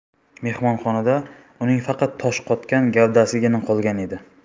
mehmonxonada uning faqat toshqotgan gavdasigina qolgan edi